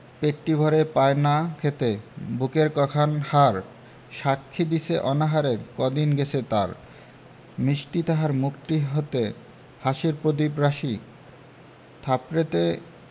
পেটটি ভরে পায় না খেতে বুকের ক খান হাড় সাক্ষী দিছে অনাহারেী কদিন গেছে তার মিষ্টি তাহার মুখটি হতে হাসির প্রদীপ রাশি থাপড়েতে